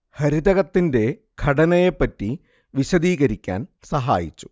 ഹരിതകത്തിന്റെ ഘടനയെ പറ്റി വിശദീകരിക്കാൻ സഹായിച്ചു